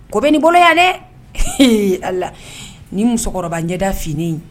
Ko bɛ nin bolo yan dɛ eeheen allah nin musokɔrɔba ɲɛ da finen in.